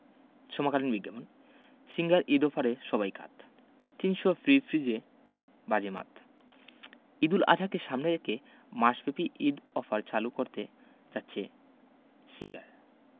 সমকালীন বিজ্ঞাপন সিঙ্গার ঈদ অফারে সবাই কাত ৩০০ ফ্রি ফ্রিজে বাজিমাত ঈদুল আজহাকে সামনে রেকে মাসব্যাপী ঈদ অফার চালু করতে যাচ্ছে সিঙ্গার